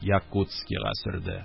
Якутскига сөрделәр